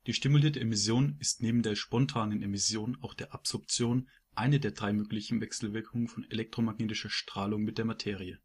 stimulierte Emission ist neben der spontanen Emission und der Absorption eine der drei möglichen Wechselwirkungen von elektromagnetischer Strahlung mit Materie